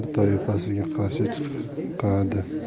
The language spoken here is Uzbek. niyozlar toifasiga qarshi chiqadi